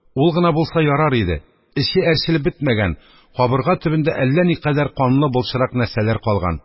Ул гына булса ярар иде, эче әрчелеп бетмәгән: кабырга төбендә әллә никадәр канлы былчырак нәрсәләр калган.